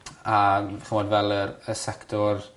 A m- ch'mod fel yr y sector